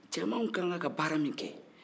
cɛmanw ka kan ka baara min kɛ